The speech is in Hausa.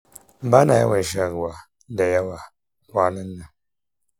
bana yawan shan ruwa da yawa kwanan na